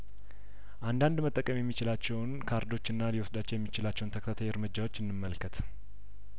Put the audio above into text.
አንዳንድ መጠቀም የሚችላቸውን ካርዶችና ሊወስዳቸው የሚችላቸውን ተከታታይ እርምጃዎች እንመልከት